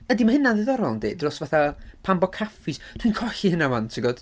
Ydi, mae hynna'n ddiddorol yndy, dros fatha, pam bod caffis... dwi'n colli hynna ŵan, ti'n gwybod.